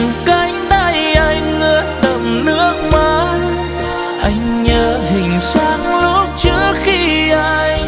cánh tay anh ướt đẫm nước mắt anh nhớ hình dáng lúc trước khi anh